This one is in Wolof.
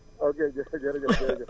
ok jë jërëjëf jërëjëf